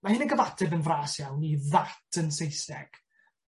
ma' hyn yn gyfaeb yn fras iawn i that yn Saesneg.